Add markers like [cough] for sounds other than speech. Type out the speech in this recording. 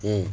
[hesitation] [hesitation]